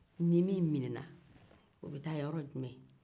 ni min minɛna o bɛ taa yɔrɔ jumɛn